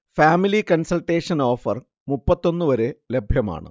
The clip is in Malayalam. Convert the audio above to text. ഫാമിലി കൺസൾേട്ടഷൻ ഓഫർ മുപ്പത്തൊന്ന് വരെ ലഭ്യമാണ്